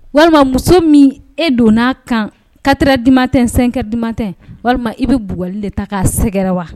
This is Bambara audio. Walima muso min e donna n'a kan katira di ma tɛ n senkɛ d di ma tɛ walima i bɛ bugli de ta k'a sɛgɛrɛ wa